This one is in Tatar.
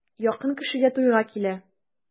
Якын кешегә туйга килә.